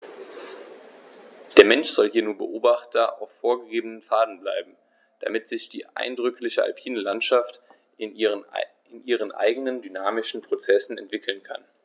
Der Mensch soll hier nur Beobachter auf vorgegebenen Pfaden bleiben, damit sich die eindrückliche alpine Landschaft in ihren eigenen dynamischen Prozessen entwickeln kann.